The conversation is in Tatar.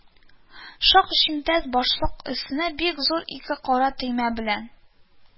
Шак җөнтәс башлык, өстенә бик зур ике кара төймә белән